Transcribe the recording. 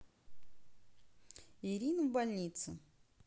ирина в больнице